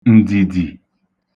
ǹdìdì